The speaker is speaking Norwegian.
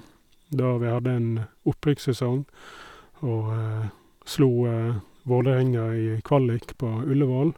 Da vi hadde en opprykkssesong og slo Vålerenga i kvalik på Ullevål.